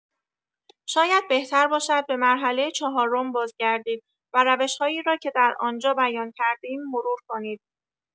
شاید بهتر باشد به مرحله چهارم بازگردید و روش‌هایی را که در آنجا بیان کردیم مرور کنید.